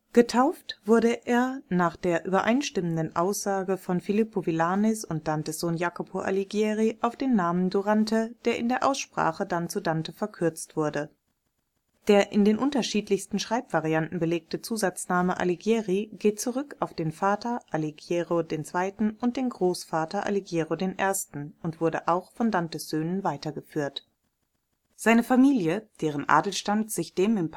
Getauft wurde er nach den übereinstimmenden Aussagen von Filippo Villanis und Dantes Sohn Jacopo Alighieri auf den Namen Durante, der in der Aussprache dann zu Dante verkürzt wurde. Der in den unterschiedlichsten Schreibvarianten belegte Zuname Alighieri geht zurück auf den Vater Alighiero II. und den Großvater Alighiero I. und wurde auch von Dantes Söhnen weitergeführt. Seine Familie, deren Adelsstand sich dem